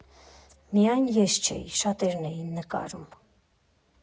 Միայն ես չէի, շատերն էին նկարում։